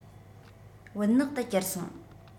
བུན ནག ཏུ གྱུར སོང